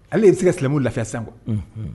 Ale ye se ka silamɛmu lafifɛ sankɔ